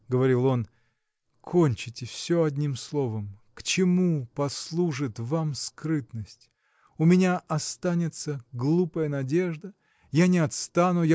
– говорил он, – кончите все одним словом. К чему послужит вам скрытность? У меня останется глупая надежда я не отстану